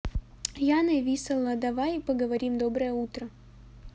яной висала давай поговорим доброе утро